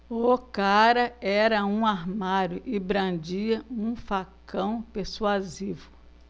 o cara era um armário e brandia um facão persuasivo